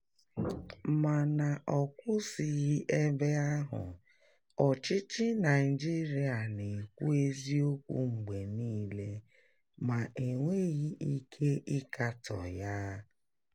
Mana ọ kwụsịghị ebe ahụ, ọchịchị Naịjirịa na-ekwu eziokwu mgbe niile ma e nweghị ike ịkatọ ya.